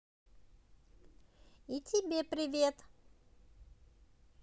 и тебе привет